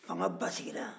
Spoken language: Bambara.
fanga basigira yan